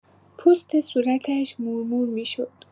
پوست صورتش مورمور می‌شد.